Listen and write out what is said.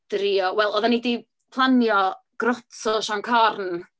drio... wel, oedden ni 'di planio groto Sion Corn.